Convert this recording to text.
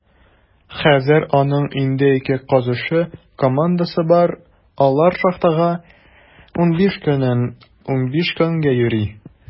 Хәзер аның инде ике казучы командасы бар; алар шахтага 15 көннән 15 көнгә йөри.